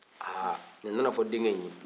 aa nin nana fɔ denkɛ in ye